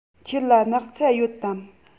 ཁྱེད ལ སྣག ཚ ཡོད དམ